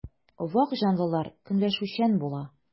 Вак җанлылар көнләшүчән була.